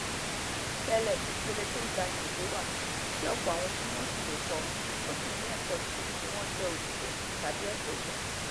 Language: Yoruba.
Tẹ́lẹ̀, ìpele tó ga ni èdè wà tí ọ̀pọ̀ àwọn tí wọ́n sì le kọ ọ́ sì ní ẹ̀kọ́ nítorí pé wọ́n jẹ́ olùkọ́ tàbi ọ̀jọ̀gbọ́n.